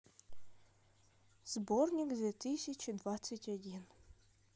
сборник две тысячи двадцать один